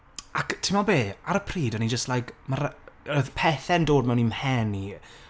Ac, timod be? Ar y pryd o'n i jyst like, ma' ra- odd pethe'n dod mewn i'm mhen i...